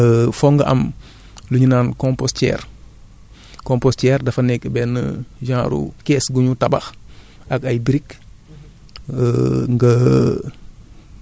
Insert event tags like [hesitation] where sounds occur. [hesitation] tay jii boo ko bëggoon def [hesitation] foog nga am [breath] lu ñu naan compostière [breath] compostière dafa nekk benn genre caisse gu ñu tabax [breath] ak ay briques